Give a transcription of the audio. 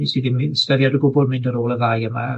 Wnes i ddim styried o gwbwl mynd ar ôl y ddau yma